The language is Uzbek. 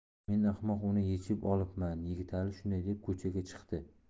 men ahmoq uni yechib olibman yigitali shunday deb ko'chaga chiqdi